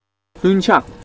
ལྷུན ཆགས